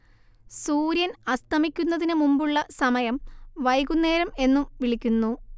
സൂര്യൻ അസ്തമിക്കുന്നതിന് മുമ്പുള്ള സമയം വൈകുന്നേരംഎന്നും വിളിക്കുന്നു